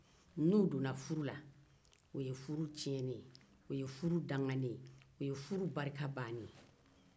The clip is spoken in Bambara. n'u donna furu la o ye furu tiɲɛnen ye